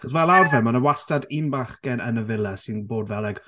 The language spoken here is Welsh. Achos fel arfer ma' 'na wastad un bachgen yn y villa sy'n bod fel like...